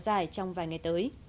dài trong vài ngày tới